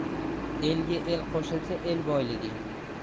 elga el qo'shilsa el boyligi